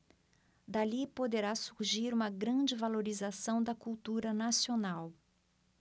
dali poderá surgir uma grande valorização da cultura nacional